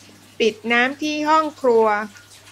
ปิดน้ำที่ห้องครัว